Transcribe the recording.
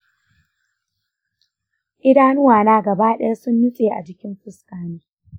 idanuwa na gaba daya sun nutse a jikin fuska na.